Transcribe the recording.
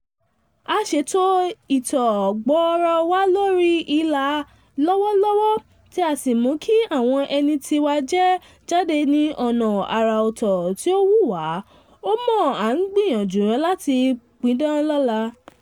A ṣètò ìtọ̀ gbọorọ̀ wa lórí ìlà lọ́wọ̀ọ̀wọ́ tí a sí mú kí àwọn ẹni tiwa jẹ́ jádení ọ̀nà àrà ọ̀tọ̀ tí ó wù wá, o mọ̀, a ń gbìyànjú láti pidán lọla."